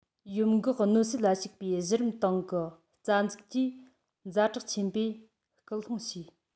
ཡོམ འགོག གནོད སེལ ལ ཞུགས པའི གཞི རིམ ཏང གི རྩ འཛུགས ཀྱིས ཛ དྲག ཆེན པོས སྐུལ སློང བྱས